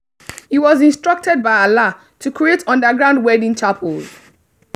He was instructed by Allah to create underground wedding chapels.